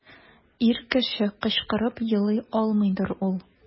Ир кеше кычкырып елый алмыйдыр ул.